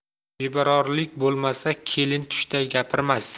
bebarorlik bo'lmasa kelin tushda gapirmas